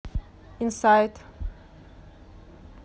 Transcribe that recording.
инсайд